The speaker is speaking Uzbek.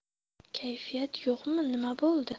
kayfiyat yo'qmi nima bo'ldi